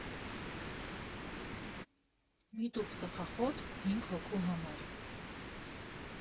«Մի տուփ ծխախոտ՝ հինգ հոգու համար».